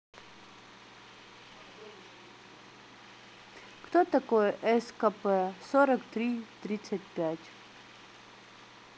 кто такой scp сорок три тридцать пять